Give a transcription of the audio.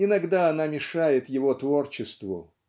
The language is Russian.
Иногда она мешает его творчеству.